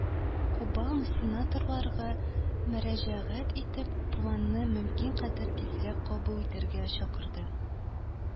Обама сенаторларга мөрәҗәгать итеп планны мөмкин кадәр тизрәк кабул итәргә чакырды